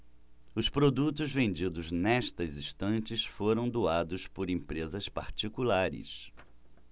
os produtos vendidos nestas estantes foram doados por empresas particulares